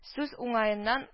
Сүз уңаеннан